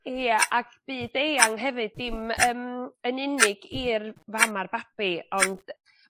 Ia ag byd-eang hefyd ddim yym yn unig i'r fam ar babi ond